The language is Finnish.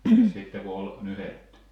entäs sitten kun oli nyhdetty